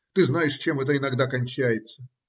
Ты знаешь, чем это иногда кончается?